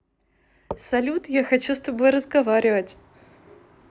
салют я хочу с тобой разговаривать